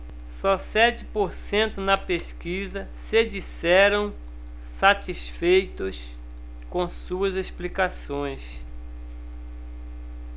só sete por cento na pesquisa se disseram satisfeitos com suas explicações